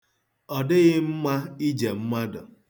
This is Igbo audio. Ọ dịghị mma ije mmadụ.